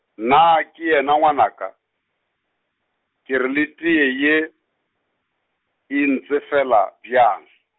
naa, ke yena ngwanaka, ke re le teye ye, e ntsefela bjang.